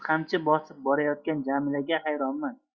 qamchi bosib borayotgan jamilaga xayronman